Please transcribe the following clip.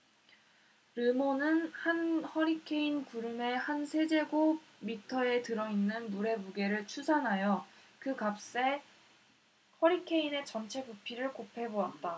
르몬은 한 허리케인 구름의 한 세제곱미터에 들어 있는 물의 무게를 추산하여 그 값에 허리케인의 전체 부피를 곱해 보았다